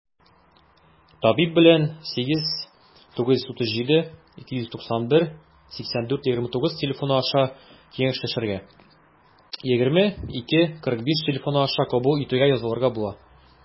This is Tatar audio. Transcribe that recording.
Табиб белән 89372918429 телефоны аша киңәшләшергә, 20-2-45 телефоны аша кабул итүгә язылырга була.